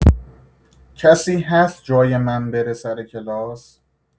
کسی هست جای من بره سر کلاس؟